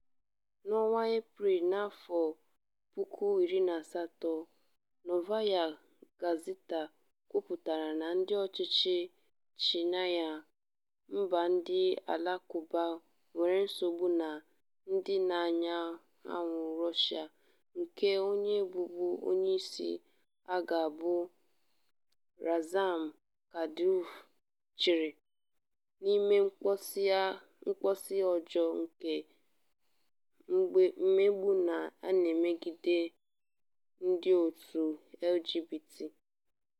N'ọnwa Eprel n'afọ 2017, Novaya Gazeta Kwupụtara na ndị ọchịchị Chechnya, mba ndị Alakụba nwere nsogbu na ndịdaanyanwụ Russia nke onye bụbu onyeisi agha bụ́ Ramzan Kadyrov chịrị, na-eme mkpọsa ọjọọ nke mmegbu na-emegide ndị òtù LGBT.